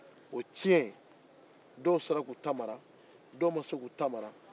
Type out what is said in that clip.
o cɛn dɔw sera k'u ta mara dɔw ma se k'u ta mara